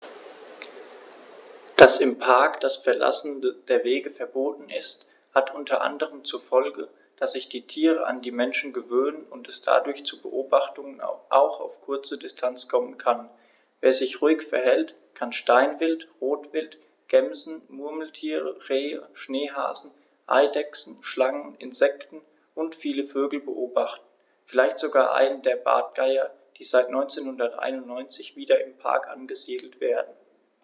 Dass im Park das Verlassen der Wege verboten ist, hat unter anderem zur Folge, dass sich die Tiere an die Menschen gewöhnen und es dadurch zu Beobachtungen auch auf kurze Distanz kommen kann. Wer sich ruhig verhält, kann Steinwild, Rotwild, Gämsen, Murmeltiere, Rehe, Schneehasen, Eidechsen, Schlangen, Insekten und viele Vögel beobachten, vielleicht sogar einen der Bartgeier, die seit 1991 wieder im Park angesiedelt werden.